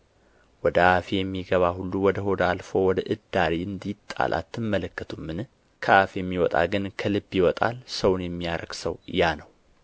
ወደ አፍ የሚገባ ሁሉ ወደ ሆድ አልፎ ወደ እዳሪ እንዲጣል አትመለከቱምን ከአፍ የሚወጣ ግን ከልብ ይወጣል ሰውንም የሚያረክሰው ያ ነው